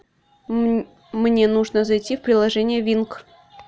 мне нужно зайти в приложение винк